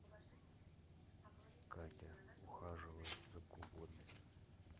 катя ухаживает за куклами